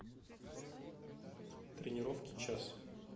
тренировки час